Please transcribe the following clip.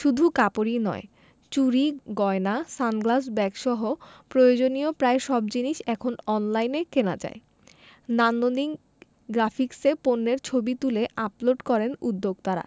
শুধু কাপড়ই নয় চুড়ি গয়না সানগ্লাস ব্যাগসহ প্রয়োজনীয় প্রায় সব জিনিস এখন অনলাইনে কেনা যায় নান্দনিক গ্রাফিকসে পণ্যের ছবি তুলে আপলোড করেন উদ্যোক্তারা